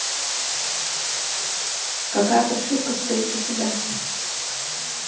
какая прошивка стоит у тебя